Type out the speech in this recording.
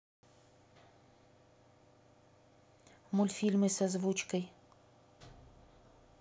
мультфильмы с озвучкой